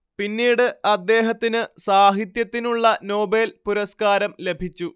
പിന്നീട് അദ്ദേഹത്തിന് സാഹിത്യത്തിനുള്ള നോബേൽ പുരസ്കാരം ലഭിച്ചു